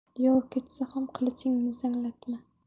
yov ketsa ham qilichingi zanglatma